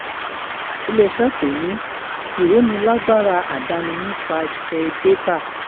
Ilé iṣẹ́ pè ní “Ìrónilágbára àdáni nípaṣẹ̀ dátà.”